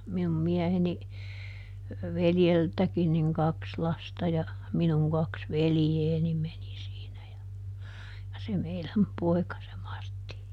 minun mieheni veljeltäkin niin kaksi lasta ja minun kaksi veljeäni meni siinä ja ja se meidän poika se Martti